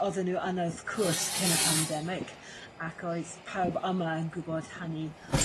o'ddyn n'w yn wrth cwrs cyn y pandemic ac oedd pawb yma yn gw'bod hynny